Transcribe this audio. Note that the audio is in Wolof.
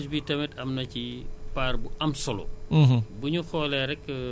maintenant bu ñu ñëwee ci comme waxtaan nañ ci yële ba mu des donc élevage bi